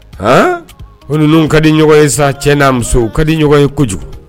A n ninnu ka di ɲɔgɔn ye sa cɛ n'a muso ka di ɲɔgɔn ye kojugu